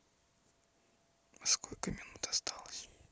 а сколько минут осталось